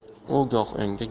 u goh o'ngga